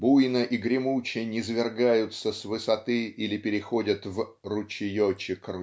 буйно и гремуче низвергаются с высоты или переходят в "ручеечек